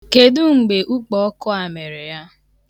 Kedu mgbe ụkpọọkụ a mere ya?